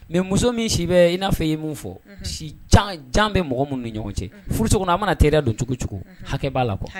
Mɛ muso min si bɛ i n'a fɛ yei min fɔ jan bɛ mɔgɔ minnu ni ɲɔgɔn cɛ furuso kɔnɔ a mana teri don cogo cogo hakɛ b'a la kuwa